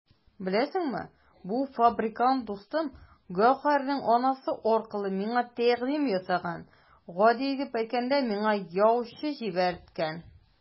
Беләсеңме, бу фабрикант дустым Гәүһәрнең анасы аркылы миңа тәкъдим ясаган, гади итеп әйткәндә, миңа яучы җибәрткән!